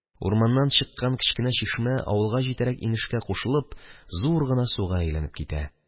Урманнан чыккан кечкенә чишмә, авылга җитәрәк инешкә кушылып, зур гына суга әйләнеп китә.